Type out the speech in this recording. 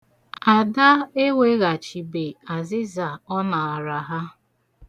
Ada eweghachibe azịza ọ naara ha.